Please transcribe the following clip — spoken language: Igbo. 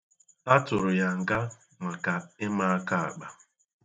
A tụrụ nga maka ịma akaakpa.